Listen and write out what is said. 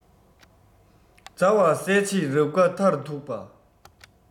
མཛའ བ གསལ བྱེད རབ དགའ མཐར ཐུག པ